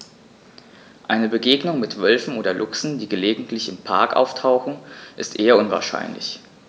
Eine Begegnung mit Wölfen oder Luchsen, die gelegentlich im Park auftauchen, ist eher unwahrscheinlich.